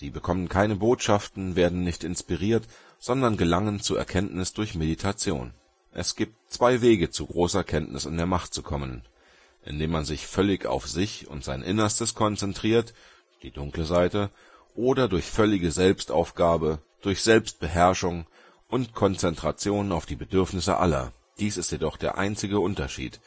bekommen keine Botschaften, werden nicht inspiriert, sondern gelangen zur Erkenntnis durch Meditation. Es gibt zwei Wege, zu großer Kenntnis in der Macht zu kommen: Indem man sich völlig auf sich und sein Innerstes konzentriert (die „ dunkle Seite “), oder durch völlige Selbstaufgabe, durch Selbstbeherrschung und Konzentration auf die Bedürfnisse aller. Dies ist jedoch der einzige Unterschied